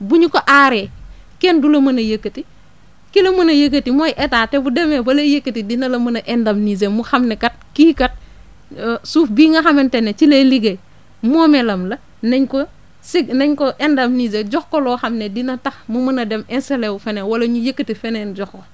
bu ñu ko aaree kenn du la mën a yëkkati ki la mën a yëkkati mooy état te bu demee ba lay yëkkati dina la mën a indemniser mu xam ne kat kii kat suuf bii nga xamante ne ci lay liggéey moomeelam la nañ ko sé nañ ko indemniser jox ko loo xam ne dina tax mu mën a dem intallé wu feneen wala ñu yëkkati feneen jox ko